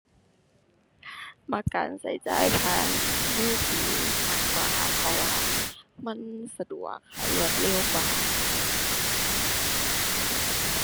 มักการใช้จ่ายผ่านมือถือมากกว่า เพราะว่ามันสะดวกค่ะ รวดเร็วกว่า